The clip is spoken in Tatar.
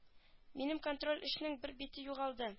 Минем контроль эшнең бер бите югалган